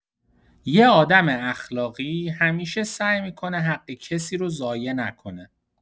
یه آدم اخلاقی همیشه سعی می‌کنه حق کسی رو ضایع نکنه.